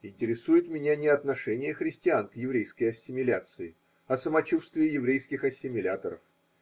Интересует меня не отношение христиан к еврейской ассимиляции, а самочувствие еврейских ассимиляторов.